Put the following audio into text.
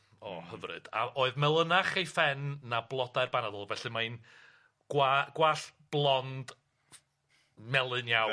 o hyfryd a oedd melynach ei phen na blodau'r banadl felly mae'n gwa- gwallt blond melyn iawn.